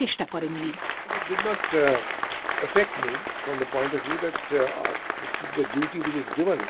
চেষ্টা করেনি it did not effect me on the point of view that the this is a duty which is given on